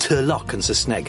Turlock yn Sysneg.